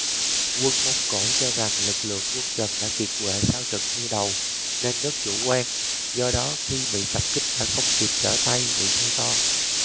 quân mông cổ cho rằng lực lượng quân trần đã kiệt quệ sau trận thua đầu nên rất chủ quan do đó khi bị tập kích đã không kịp trở tay bị thua to